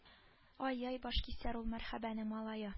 Ай-яй башкисәр ул мәрхәбәнең малае